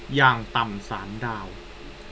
อย่างต่ำสามดาว